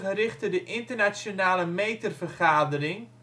richtte de internationale Metervergadering